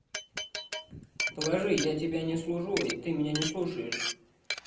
положи ты меня я тебя не служу и ты меня не слушаешь